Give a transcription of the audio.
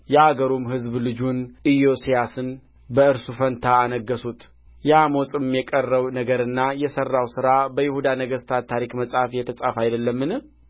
የአገሩ ሕዝብ ግን በንጉሡ በአሞጽ ላይ ያሴሩበትን ሁሉ ገደሉ የአገሩም ሕዝብ ልጁን ኢዮስያስን በእርሱ ፋንታ አነገሡት የአሞጽም የቀረው ነገርና የሠራው ሥራ በይሁዳ ነገሥታት ታሪክ መጽሐፍ የተጻፈ አይደለምን